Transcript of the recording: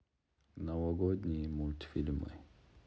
новогодние мультфильмы